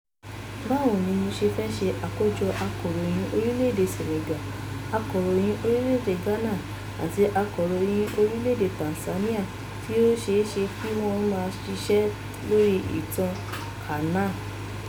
Báwo ni mo ṣe fẹ́ ṣe àkójọ akọ̀ròyìn Orílẹ̀-èdè Senegal, akọ̀ròyìn Orílẹ̀-èdè Ghana àti akọ̀ròyìn Orílẹ̀-èdè Tanzania tí ó ṣeé ṣe kí wọn ó maa ṣisẹ́ lórí ìtàn kannáà?